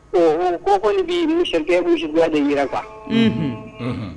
Ɔ ko kɔni bi misi gɛn, misigɛn de jira quoi